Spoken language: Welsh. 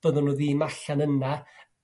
Doedden nhw ddim allan yna.